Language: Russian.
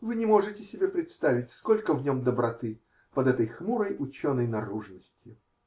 -- Вы не можете себе представить, сколько в нем доброты под этой хмурой ученой наружностью.